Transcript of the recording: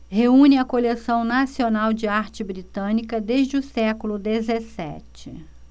reúne a coleção nacional de arte britânica desde o século dezessete